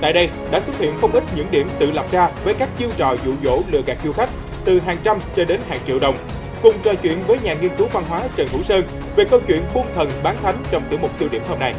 tại đây đã xuất hiện không ít những điểm tự lập ra với các chiêu trò dụ dỗ lừa gạt du khách từ hàng trăm đến hai triệu đồng cùng trò chuyện với nhà nghiên cứu văn hóa trần hữu sơn về câu chuyện buôn thần bán thánh trong tiêu mục tiêu điểm hôm nay